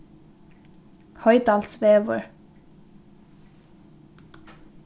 hoydalsvegur